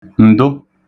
ǹdụ